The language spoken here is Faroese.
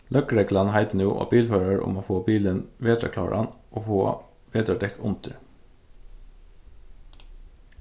løgreglan heitir nú á bilførarar um at fáa bilin vetrarkláran og fáa vetrardekk undir